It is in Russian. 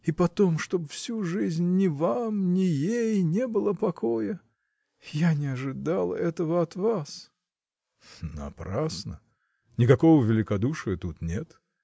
И потом, чтоб всю жизнь — ни вам, ни ей, не было покоя! Я не ожидала этого от вас! — Напрасно! никакого великодушия тут нет!